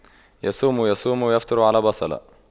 يصوم يصوم ويفطر على بصلة